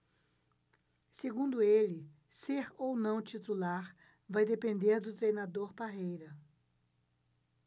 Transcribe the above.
segundo ele ser ou não titular vai depender do treinador parreira